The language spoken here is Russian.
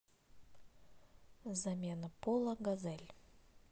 замена пола газель